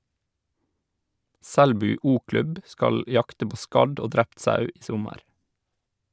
Selbu o-klubb skal jakte på skadd og drept sau i sommer.